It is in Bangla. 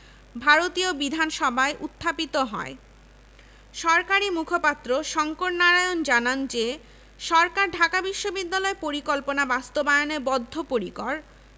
ভারতীয় বিধানসভায় উত্থাপিত হয় সরকারি মুখপাত্র শঙ্কর নারায়ণ জানান যে সরকার ঢাকা বিশ্ববিদ্যালয় পরিকল্পনা বাস্তবায়নে বদ্ধপরিকর